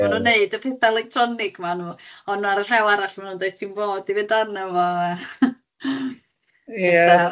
Ma' nhw'n wneud y petha electronig ma' nhw o'n nhw ar y llaw arall ma' nhw'n deud ti'm fod i fynd arno fo Ie.